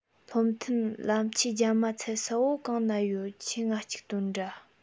བློ མཐུན ལམ ཆས རྒྱ མ ཚད ས བོ གང ན ཡོད ཁྱོས ང ཅིག སྟོན དྲ